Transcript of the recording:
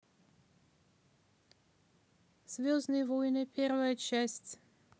звездные войны первая часть